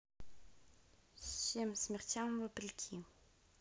всем смертям вопреки